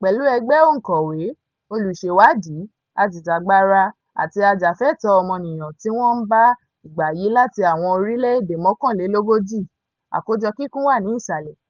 Pẹ̀lú ẹgbẹ́ òǹkọ̀wé, olùṣèwádìí, ajìjàgbara àti ajàfẹ́ẹtọ̀ọ́ ọmọnìyàn tí wọ́n ń bá ìgbà yí láti àwọn orílẹ̀ èdè mọ́kànlélógójì (àkójọ kíkún wà ní ìsàlẹ̀)